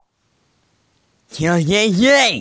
сергей гей